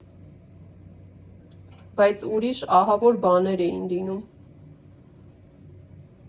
Բայց ուրիշ ահավոր բաներ էին լինում։